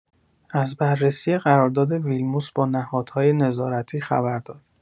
از بررسی قرارداد ویلموتس با نهادهای نظارتی خبر داد.